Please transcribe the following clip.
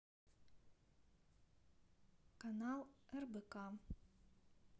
канал рбк